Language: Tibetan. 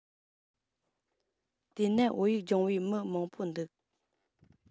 དེས ན བོད ཡིག སྦྱོང བའི མི མང པོ འདུག